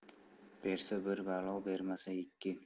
bersa bir balo bermasa ikki